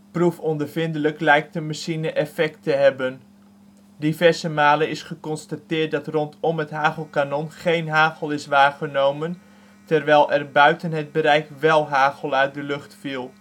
Proefondervindelijk (b) lijkt de machine effect te hebben. Diverse malen is geconstateerd dat rondom het hagelkanon géén hagel is waargenomen terwijl er buiten het bereik wél hagel uit de lucht viel